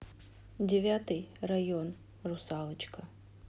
девятый район русалочка